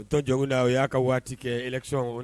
N tɛ jig'o la, o y'a ka waati kɛ, élection